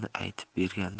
bo'lganini aytib bergandim